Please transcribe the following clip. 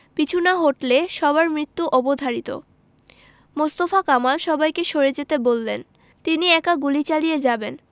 পিছু না হটলে সবার মৃত্যু অবধারিত মোস্তফা কামাল সবাইকে সরে যেতে বললেন তিনি একা গুলি চালিয়ে যাবেন